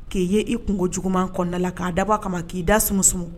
K'i ye i kunko juguman kɔnɔnada la k'a daba kama ma k'i da sumumumu